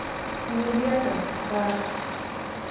нилето краш